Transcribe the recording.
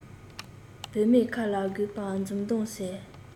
བུད མེད ཁ ལ དགོས པ འཛུམ མདངས ཟེར